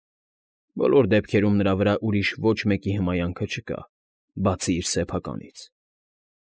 Բոլոր դեպքերում նրա վրա ուրիշ ոչ մեկի հմայանքը չկա, բացի իր սեփականից։